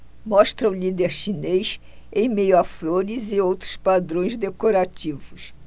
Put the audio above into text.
mostra o líder chinês em meio a flores e outros padrões decorativos